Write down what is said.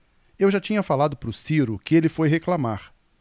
eu já tinha falado pro ciro que ele foi reclamar